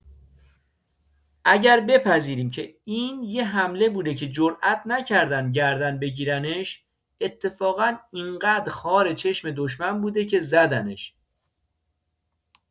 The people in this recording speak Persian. اگر بپذیریم که این یه حمله بوده که جرات نکردن گردن بگیرنش، اتفاقا اینقدر خار چشم دشمن بوده که زدنش!